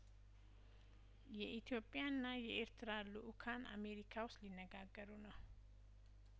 የኢትዮጵያ ና የኤርትራ ልኡካን አሜሪካ ውስጥ ሊነጋገሩ ነው